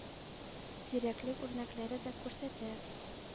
Зирәклек үрнәкләре дә күрсәтә.